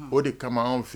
O de ka anw fɛ